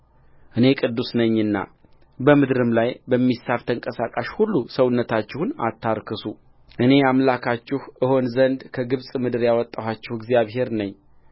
እኔ ቅዱስ ነኝና በምድርም ላይ በሚሳብ ተንቀሳቃሽ ሁሉ ሰውነታችሁን አታርክሱእኔ አምላካችሁ እሆን ዘንድ ከግብፅ ምድር ያወጣኋችሁ እግዚአብሔር ነኝ